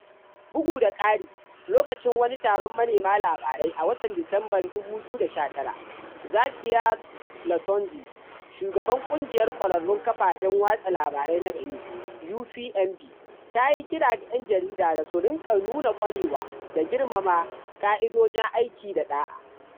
Bugu da ƙari, lokacin wani taron manema labarai a watan Disambar 2019, Zakiath Latondji, shugaban ƙungiyar ƙwararrun kafafen watsa labarai na Benin (UPMB), ta yi kira ga ‘yan jarida da su ringa nuna ƙwarewa da girmama ƙa’idojin aiki da ɗa'a.